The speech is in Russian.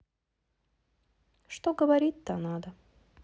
что говорить что то надо